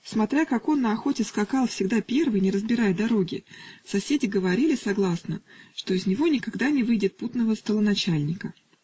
Смотря, как он на охоте скакал всегда первый, не разбирая дороги, соседи говорили согласно, что из него никогда не выйдет путного столоначальника.